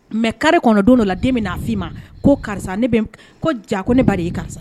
Mɛ kari kɔnɔ don dɔ la den bɛna'a fɔ'i ma ko karisa ne ja ko ne ba'i karisa